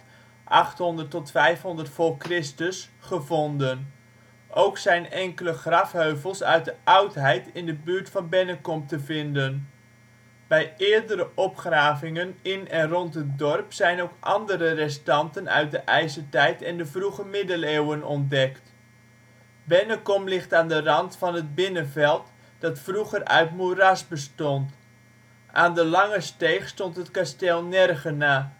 tot 500 v.Chr.) gevonden. Ook zijn enkele grafheuvels uit de oudheid in de buurt van Bennekom te vinden. Bij eerdere opgravingen in en rond het dorp zijn ook andere restanten uit de ijzertijd en de vroege middeleeuwen ontdekt. Bennekom ligt aan de rand van het Binnenveld, dat vroeger uit moeras bestond. Aan de Langesteeg stond het kasteel Nergena